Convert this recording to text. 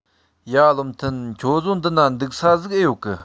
ཡ བློ མཐུན ཁྱོད ཚོའི འདི ན འདུག ས ཟིག ཨེ ཡོད གི